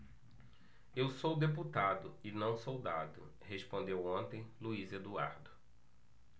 eu sou deputado e não soldado respondeu ontem luís eduardo